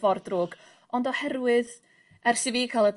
ffor' drwg ond oherwydd ers i fi ca'l y